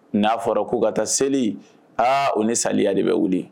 N'a fɔra ko ka taa seli, aa u ni saliya de bɛ wuli